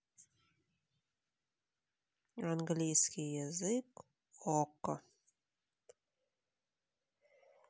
английский язык окко